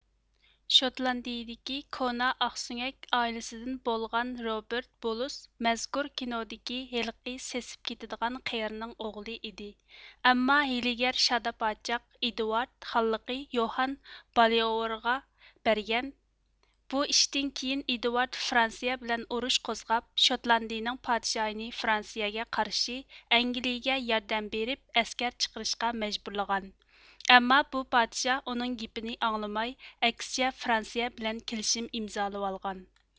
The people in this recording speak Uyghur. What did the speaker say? شوتلاندىيىدىكى كونا ئاقسۆڭەك ئائىلىسىدىن بولغان روبىرت بۇلۇس مەزكۇر كىنودىكى ھېلىقى سېسىپ كىتىدىغان قېرىنىڭ ئوغلى ئىدى ئەمما ھىيلىگەر شادا پاچاق ئىدۋارد خانلىقنى يوھان بالىئوۋرغا بەرگەن بۇ ئىشتىن كىيىن ئىدۋارد فىرانسىيە بىلەن ئۇرۇش قوزغاپ شوتلاندىيىنىڭ پادىشاھىنى فىرانسىيىگە قارشى ئەنگىلىيەگە ياردەم بىرىپ ئەسكەر چىقىرىشقا مەجبۇرلىغان ئەمما بۇ پادىشاھ ئۇنىڭ گېپىنى ئاڭلىماي ئەكسىچە فىرانسىيە بىلەن كىلىشىم ئىمزالىۋالغان